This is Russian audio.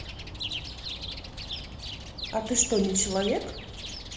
а ты что не человек